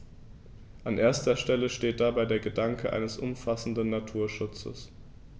An erster Stelle steht dabei der Gedanke eines umfassenden Naturschutzes.